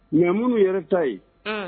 Ɲam yɛrɛ ta yen